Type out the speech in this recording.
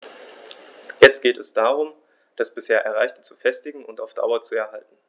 Jetzt geht es darum, das bisher Erreichte zu festigen und auf Dauer zu erhalten.